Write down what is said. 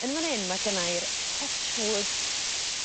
Yn fan 'yn ma' gennai'r touch wood